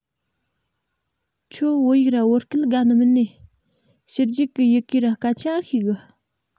ཁྱོད བོད ཡིག ར བོད སྐད དགའ ནི མིན ནས ཕྱི རྒྱལ གི ཡི གེ ར སྐད ཆ ཨེ ཤེས གི